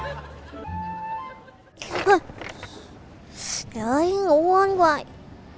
hơ trời ơi ngủ quên hoài